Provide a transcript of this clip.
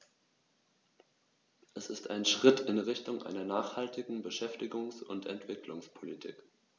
Er ist ein Schritt in Richtung einer nachhaltigen Beschäftigungs- und Entwicklungspolitik.